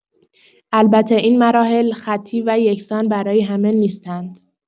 البته این مراحل خطی و یکسان برای همه نیستند؛